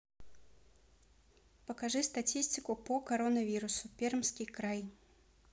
покажи статистику по коронавирусу пермский край